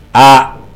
A